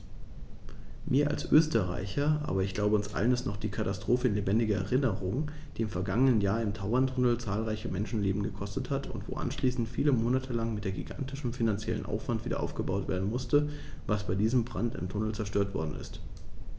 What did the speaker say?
Mir als Österreicher, aber ich glaube, uns allen ist noch die Katastrophe in lebendiger Erinnerung, die im vergangenen Jahr im Tauerntunnel zahlreiche Menschenleben gekostet hat und wo anschließend viele Monate lang mit gigantischem finanziellem Aufwand wiederaufgebaut werden musste, was bei diesem Brand im Tunnel zerstört worden ist.